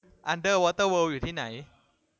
อันเดอร์วอเตอร์เวิล์ดอยู่ที่ไหน